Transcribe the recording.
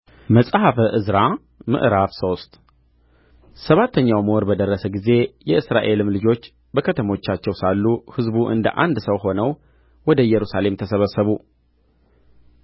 መጽሐፈ ዕዝራ ምዕራፍ ሶስት ሰባተኛውም ወር በደረሰ ጊዜ የእስራኤልም ልጆች በከተሞቻቸው ሳሉ ሕዝቡ እንደ አንድ ሰው ሆነው ወደ ኢየሩሳሌም ተሰበሰቡ